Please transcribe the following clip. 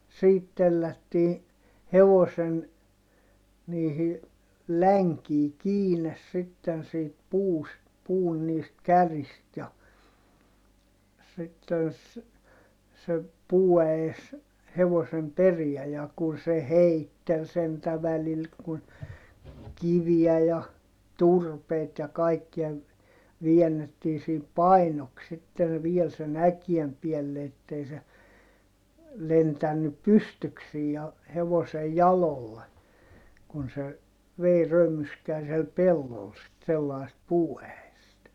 siitä tellättiin hevosen niihin länkiin kiinni sitten siitä puusta puun niistä kärjistä ja sitten - se puuäes hevosen perään ja kun se heitteli sentään välillä kun kiviä ja turpeita ja kaikkia väännettiin siinä painoksi sitten vielä sen äkeen päälle että ei se lentänyt pystyksiin ja hevosen jaloille kun se vei römyskään siellä pellolla sitten sellaista puuäestä